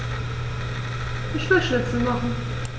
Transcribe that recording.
Ich will Schnitzel machen.